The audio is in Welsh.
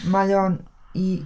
Mae o'n i...